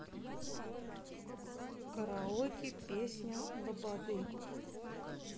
караоке песня лободы